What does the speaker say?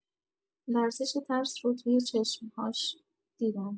لرزش ترس رو توی چشم‌هاش دیدم.